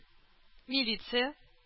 Милиция